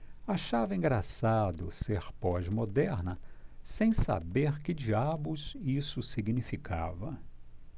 achava engraçado ser pós-moderna sem saber que diabos isso significava